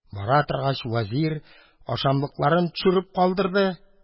Бара торгач, вәзир ашамлыкларын төшереп калдырды.